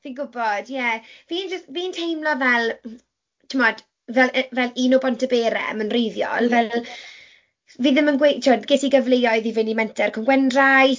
Fi'n gwybod, ie fi jyst... fi'n teimlo fel, timod, fel y- fel un o Bont y Berem yn wreiddiol fel fi ddim yn gweud, tibod, ges i gyfleoedd i fynd i menter Cwm Gwendraeth.